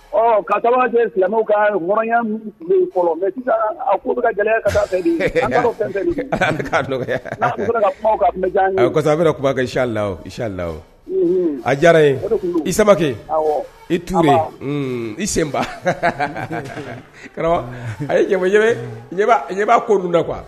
Ɔ ka kaɔrɔnya bɛba i a diyara ye i sabalibakɛ i tugu i senba karamɔgɔ a ye jamu ɲɛ ɲɛ'a koun da qu kuwa